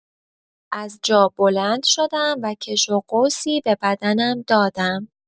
از جا بلند شدم و کش و قوسی به بدنم دادم.